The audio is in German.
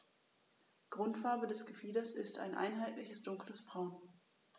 Grundfarbe des Gefieders ist ein einheitliches dunkles Braun.